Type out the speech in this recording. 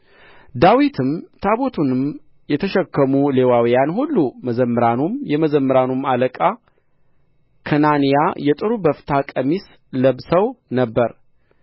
ዳዊትም ታቦቱንም የተሸከሙ ሌዋውያን ሁሉ መዘምራኑም የመዘምራኑም አለቃ ከናንያ የጥሩ በፍታ ቀሚስ ለብሰው ነበር